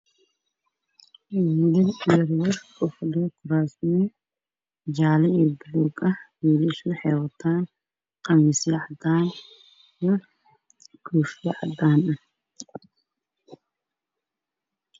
Waa meel banaan waxaa iskugu imaaday wiilal qamiisyo cadaan ah